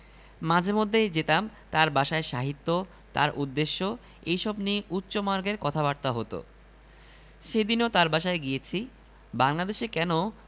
অধিক শোকে পাথর বলে যে কথাটা প্রচলিত আছে সেটি মিথ্যা নয় ভদ্র মহিলা পাথর হয়ে গেলেন তুর্গেনিভ প্রসঙ্গ আর জমল না